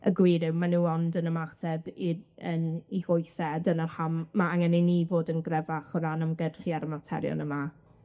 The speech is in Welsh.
Y gwir yw, ma' nw ond yn ymateb i'r yym i phwyse, a dyna pam ma' angen i ni fod yn gryfach o ran ymgyrchu ar y materion yma.